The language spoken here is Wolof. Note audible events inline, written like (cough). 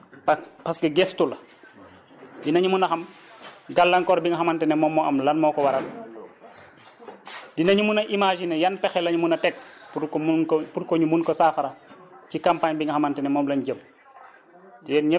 pa parce que gëstu la dinañu mën a xam gàllankoor bi nga xamante ne moom moo am lan moo ko waral (noise) dinañu mën a imaginer yan pexe la ñu mën a teg pour que mun ko pour que ñu mun ko saafara ci campagne bi nga xamante ne moom lañ jëm